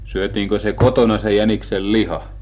syötiinkö se kotona se jäniksen liha